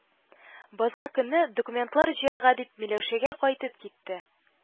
Базар көнне, «документлар» җыярга дип, Миләүшәгә кайтып китте